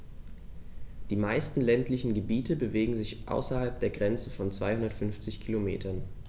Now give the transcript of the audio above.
Die meisten ländlichen Gebiete bewegen sich außerhalb der Grenze von 250 Kilometern.